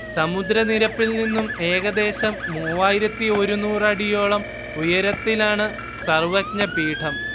സമുദ്രനിരപ്പിൽ നിന്നും ഏകദേശം മൂവായിരത്തിഒരുന്നൂറ് അടിയോളം ഉയരത്തിലാണ് സർവ്വജ്ഞപീഠം